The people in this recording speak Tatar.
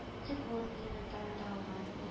Цигун элементларын да алган